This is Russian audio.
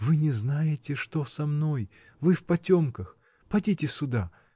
— Вы не знаете, что со мной, вы в потемках: подите сюда!